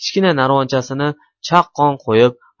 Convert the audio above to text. kichkina narvonchasini chaqqon qo'yib